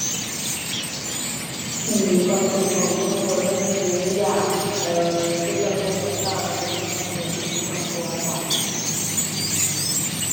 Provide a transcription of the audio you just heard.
อืม ความสุขของครอบครัวก็คืออยาก เอ่อ อยู่กับลูกกับเต้าแล้วก็มีความสุขกันในครอบครัวจ้า